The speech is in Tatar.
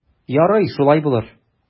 Ярый, шулай булыр.